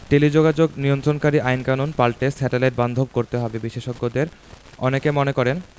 টেলিযোগাযোগ নিয়ন্ত্রণকারী আইনকানুন পাল্টে স্যাটেলাইট বান্ধব করতে হবে বিশেষজ্ঞদের অনেকে মনে করেন